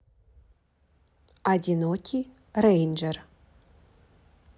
одинокий рейнджер